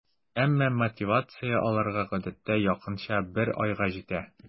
Әмма мотивация аларга гадәттә якынча бер айга җитә.